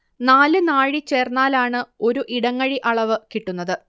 നാല് നാഴി ചേർന്നാലാണ് ഒരു ഇടങ്ങഴി അളവ് കിട്ടുന്നത്